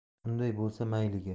unday bo'lsa mayliga